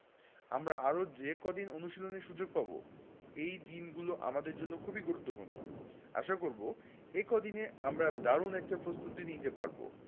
আমরা আরও যে কদিন অনুশীলনের সুযোগ পাব এই দিনগুলো আমাদের জন্য খুবই গুরুত্বপূর্ণ আশা করব এই কদিনে আমরা দারুণ একটা প্রস্তুতি নিতে পারব